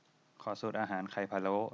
ขอสูตรอาหารไข่พะโล้